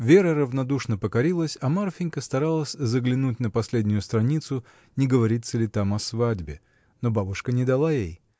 Вера равнодушно покорилась, а Марфинька старалась заглянуть на последнюю страницу, не говорится ли там о свадьбе. Но бабушка не дала ей.